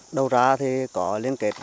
đầu ra thì có liên kết